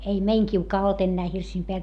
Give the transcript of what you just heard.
ei ei meidän kiuas ollut enää hirsien päällä